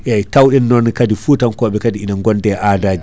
eyyi tawde non kaadi foutonkoɓe kaadi ina gonde adaji